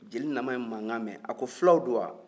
jeli naman ye mankan mɛn a ko filaw don wa